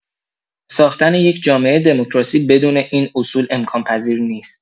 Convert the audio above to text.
ساختن یک جامعه دموکراسی بدون این اصول امکان‌پذیر نیست.